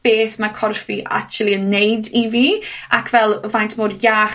beth ma' corff fi actually yn neud i fi, ac fel, faint mor iach